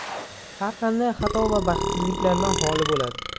har qanday xato va baxtsizliklardan xoli bo'ladi